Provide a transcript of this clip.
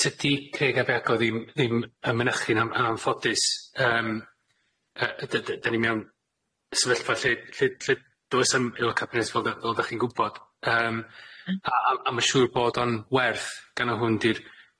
Tydi Creg ab Iago ddim ddim ym mynychyn yn yn anffodus yym yy yd- yd- y dyn ni mewn sefyllfa lle lle lle does nam aelod cabinets fel dy- fel dach chi'n gwbod yym a- a- a ma' siŵr bod o'n werth gynno hwn di'r